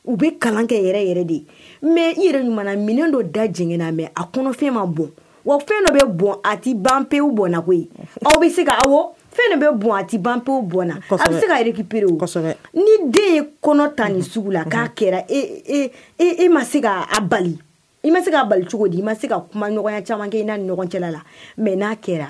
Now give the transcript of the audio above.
U bɛ kalan kɛ yɛrɛ yɛrɛ de ye mɛ i yɛrɛ minɛnen dɔ da jiginna mɛ a kɔnɔ fɛn ma bɔ wa fɛn dɔ bɛ bon a tɛ ban pewuw bɔnna koyi yen aw bɛ se ka fɛn dɔ bɛ bon a tɛ ban pewu bɔnna fo bɛ se kakipere o ni den ye kɔnɔ ta ni sugu la k'a kɛra e e ma se k' bali i ma se ka bali cogo di i ma se ka kuma ɲɔgɔnya camankɛ i na ɲɔgɔn cɛla la mɛ n'a kɛra